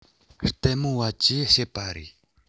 ལྟད མོ བ ཅེས བཤད པ རེད